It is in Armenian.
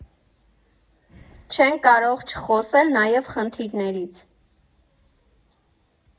Չենք կարող չխոսել նաև խնդիրներից։